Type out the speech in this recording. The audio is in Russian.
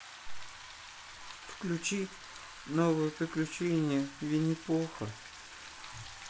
включи новые приключения винни пуха